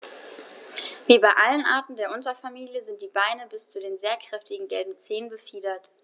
Wie bei allen Arten der Unterfamilie sind die Beine bis zu den sehr kräftigen gelben Zehen befiedert.